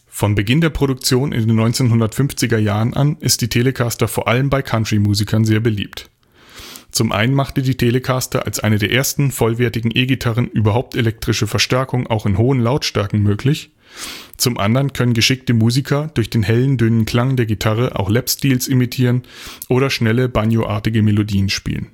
Von Beginn der Produktion in den 1950er Jahren an ist die Telecaster vor allem bei Countrymusikern sehr beliebt. Zum einen machte die Telecaster als eine der ersten vollwertigen E-Gitarren überhaupt elektrische Verstärkung auch in hohen Lautstärken möglich. Zum anderen können geschickte Musiker durch den hellen, dünnen Klang der Gitarre auch Lapsteels imitieren oder schnelle, banjoartige Melodien spielen